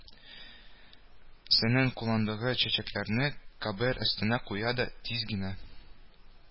Сенең кулындагы чәчәкләрне кабер өстенә куя да тиз генә